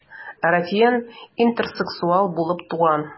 Ратьен интерсексуал булып туган.